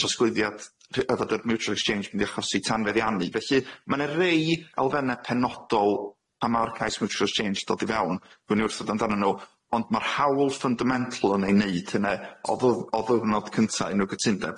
trosglwyddiad rhy- yfed yr Mutual Exchange mynd i achosi tanfeddiannu, felly ma' na rei elfenne penodol pan ma'r cais Mutual Exchange dod i fewn gwn i wrthod amdanyn nw ond ma'r hawl fundamental yn ei neud hynna o dd- o ddiwrnod cynta unryw gytundeb.